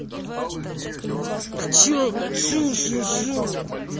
пчелка жу жу жу